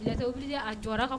j'ai été obligé a jɔra